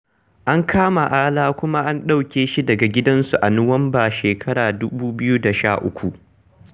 An kama Alaa kuma aka ɗauke shi daga gidansu a Nuwambar 2013.